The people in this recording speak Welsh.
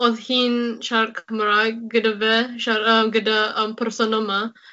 odd hi'n siarad Cymraeg gyda fe siar- yym gyda yym person yma.